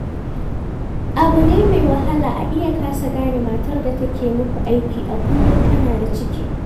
Abu ne mai wahala a iya kasa gane matar da take yi muku aiki a kullum tana da ciki.